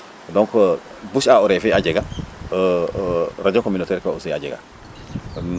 donc bouche a oreille a jega radio communataire ke aussi a jega